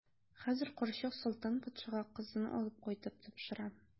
Хәзер карчык Солтан патшага кызын алып кайтып тапшыра.